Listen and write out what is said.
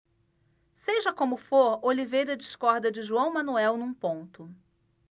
seja como for oliveira discorda de joão manuel num ponto